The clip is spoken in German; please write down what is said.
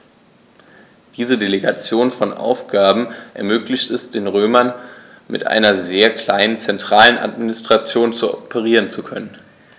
Diese Delegation von Aufgaben ermöglichte es den Römern, mit einer sehr kleinen zentralen Administration operieren zu können.